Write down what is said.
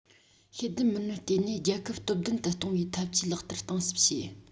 ཤེས ལྡན མི སྣར བརྟེན ནས རྒྱལ ཁབ སྟོབས ལྡན དུ གཏོང བའི འཐབ ཇུས ལག བསྟར གཏིང ཟབ བྱས